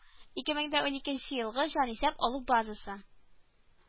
Ике мең дә уникенче елгы җанисәп алу базасы